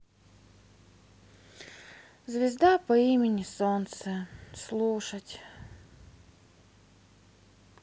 звезда по имени солнце слушать